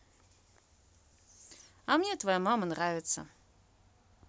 а мне твоя мама нравится